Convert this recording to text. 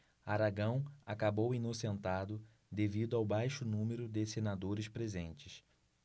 aragão acabou inocentado devido ao baixo número de senadores presentes